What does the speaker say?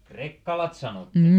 krekkalat sanotte